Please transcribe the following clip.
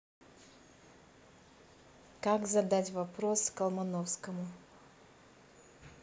как задать вопрос колмановскому